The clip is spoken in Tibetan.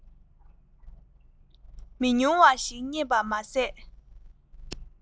མི ཉུང བ ཞིག ཪྙེད པར མ ཟད